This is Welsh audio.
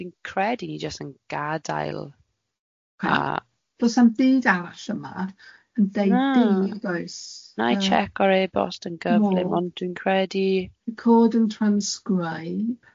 Dwi'n credu ni jyst yn gadael a dos na'm dyd arall yma yn deud... Na. ....dwi'n credu. Wna i checko'r e-bost yn gyflym ond dwi'n credu record and transcribe.